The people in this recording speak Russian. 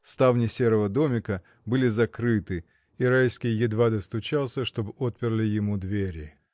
Ставни серого домика были закрыты, и Райский едва достучался, чтоб отперли ему двери.